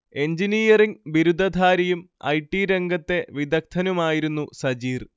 Engineering ബിരുദധാരിയും I. T രംഗത്തെ വിദഗ്ദനുമായിരുന്നു സജീർ